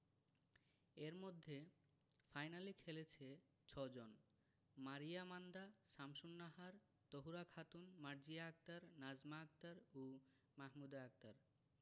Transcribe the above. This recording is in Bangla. এর মধ্যে ফাইনালে খেলেছে ৬ জন মারিয়া মান্দা শামসুন্নাহার তহুরা খাতুন মার্জিয়া আক্তার নাজমা আক্তার ও মাহমুদা আক্তার